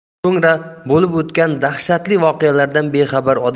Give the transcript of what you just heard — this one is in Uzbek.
so'ngra bo'lib o'tgan dahshatli voqealardan bexabar